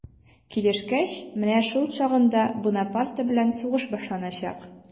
Килешкәч, менә шул чагында Бунапарте белән сугыш башланачак.